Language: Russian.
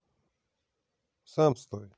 сам стой